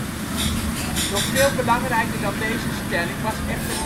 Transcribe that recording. veel belangrijker dan deze stelling was echter